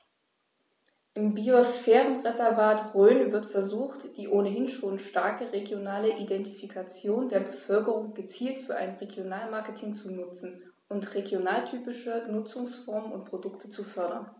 Im Biosphärenreservat Rhön wird versucht, die ohnehin schon starke regionale Identifikation der Bevölkerung gezielt für ein Regionalmarketing zu nutzen und regionaltypische Nutzungsformen und Produkte zu fördern.